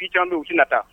K'i ca don u tɛna taa